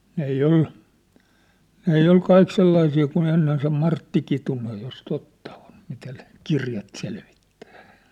ne ei ole ne ei ole kaikki sellaisia kuin ennen se Martti Kitunen jos totta on mitä ne kirjat selvittää